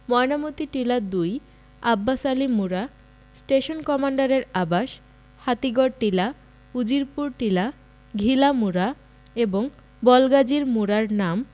ময়নামতি টিলা ২ আব্বাস আলী মুড়া স্টেশন কমান্ডারের আবাস হাতিগড় টিলা উজিরপুর টিলা ঘিলা মুড়া এবং বলগাজীর মুড়ার নাম